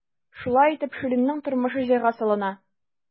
Шулай итеп, Ширинның тормышы җайга салына.